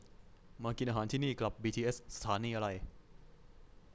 มากินอาหารที่นี่กลับบีทีเอสสถานีอะไร